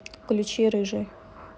включи рыжий